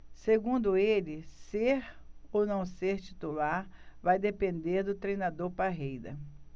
segundo ele ser ou não titular vai depender do treinador parreira